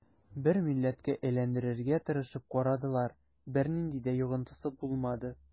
Бер милләткә әйләндерергә тырышып карадылар, бернинди дә йогынтысы булмады.